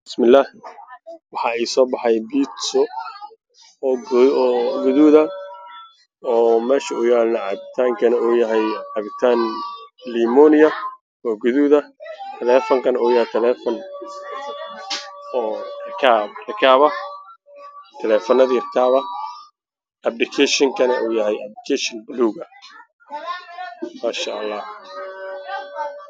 Wa sawir xayeysiis ah waxaa ii muuqdo piiza midabkiisu yahay jaale taleefanno